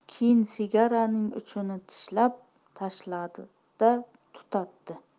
keyin sigaraning uchini tishlab tashladi da tutatdi